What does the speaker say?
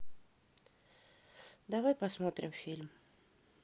давай посмотрим фильм